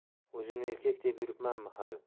o'zimni erkak deb yuribmanmi hali